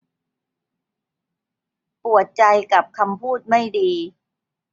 ปวดใจกับคำพูดไม่ดี